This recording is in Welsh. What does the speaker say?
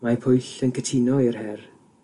Mae Pwyll yn cytuno i'r her